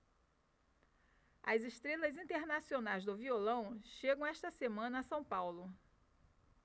as estrelas internacionais do violão chegam esta semana a são paulo